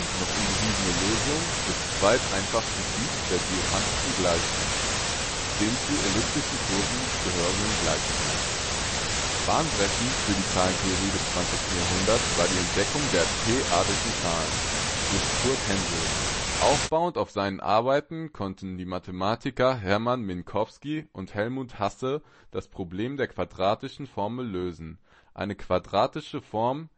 noch unbewiesene) Lösung des zweiteinfachsten Typs der Diophantischen Gleichung: den zu elliptischen Kurven gehörenden Gleichungen. Bahnbrechend für die Zahlentheorie des zwanzigsten Jahrhunderts war die Entdeckung der p-adischen Zahlen durch Kurt Hensel. Aufbauend auf seinen Arbeiten konnten die Mathematiker Hermann Minkowski und Helmut Hasse das Problem der quadratischen Formen lösen: eine quadratische Form